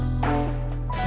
thở